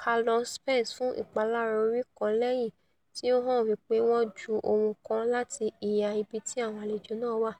Calum Spence fún ìpalára orí kan lẹ́yìn tí ó hàn wí pé wọn ju ohun kan láti ìhà ibiti àwọn àlejò náà wà.